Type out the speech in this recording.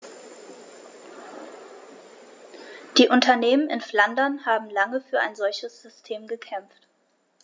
Die Unternehmen in Flandern haben lange für ein solches System gekämpft.